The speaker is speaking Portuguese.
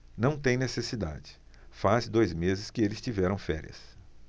não tem necessidade faz dois meses que eles tiveram férias